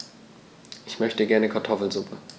Ich möchte gerne Kartoffelsuppe.